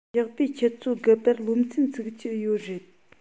ཞོགས པའི ཆུ ཚོད དགུ པར སློབ ཚན ཚུགས ཀྱི ཡོད རེད